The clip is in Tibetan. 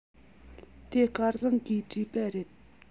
དེ སྐལ བཟང གིས བྲིས པ རེད